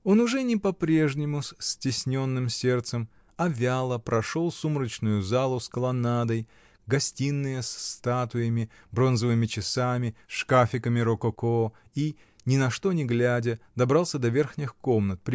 Он уже не по-прежнему, с стесненным сердцем, а вяло прошел сумрачную залу с колоннадой, гостиные с статуями, бронзовыми часами, шкафиками рококо и, ни на что не глядя, добрался до верхних комнат